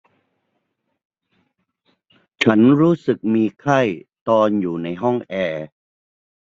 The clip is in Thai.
ฉันรู้สึกมีไข้ตอนอยู่ในห้องแอร์